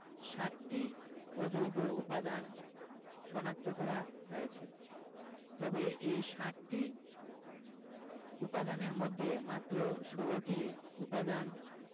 ৬০টি অজৈব উপাদান শনাক্ত করা হয়েছে তবে এই ৬০টি উপাদানের মধ্যে মাত্র ১৬টি উপাদান